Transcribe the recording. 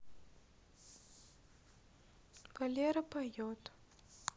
валера поет